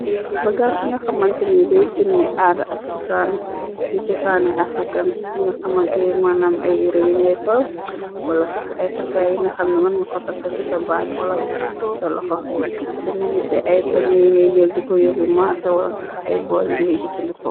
Bagaas yi nga xamanti niy dey firne aada ab di cosaani afrikan. Yi nga xamanti manam ay yere yi ngay sol wala sax ay takaay. Yi nga xamna mën nga ko tokk ci sa baat wala sax ci sa loxo pademe nisi ay paña. Yi ngay jël diko yóbbu maarsé wala sax ay bool yi ngay jëfandiko.